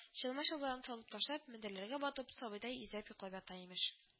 Чалма-чабарын салып ташлап, мендәрләргә батып, сабыйдай изрәп йоклап ята имеш